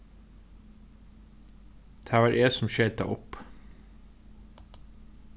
tað var eg sum skeyt tað upp